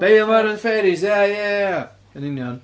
Beio fo ar y fairies! Ie ie ie! Yn union.